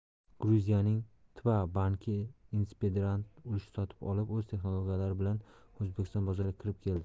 gruziyaning tbc banki inspired'dan ulush sotib olib o'z texnologiyalari bilan o'zbekiston bozoriga kirib keldi